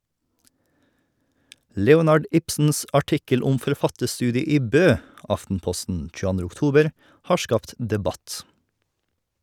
Leonard Ibsens artikkel om forfatterstudiet i Bø (Aftenposten 22. oktober) har skapt debatt.